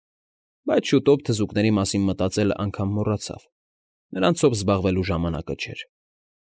Բայց շուտով թզուկների մասին մտածելն անգամ մոռացավ, նրանցով զբաղվելու ժամանակը չէր։